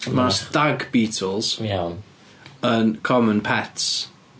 Mae Stag Beetles... Iawn... yn common pets.